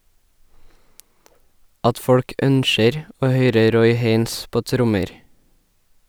- At folk ønskjer å høyre Roy Haynes på trommer.